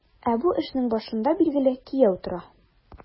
Ә бу эшнең башында, билгеле, кияү тора.